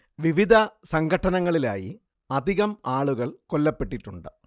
വിവിധ സംഘട്ടനങ്ങളിലായി അധികം ആളുകൾ കൊല്ലപ്പെട്ടിട്ടുണ്ട്